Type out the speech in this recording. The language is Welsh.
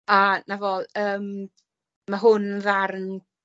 A 'na fo yym ma' hwn ddarn